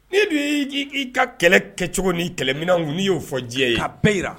N' y i ka kɛlɛ kɛcogo ni kɛlɛmin n'i y'o fɔ diɲɛ ye a bɛɛyi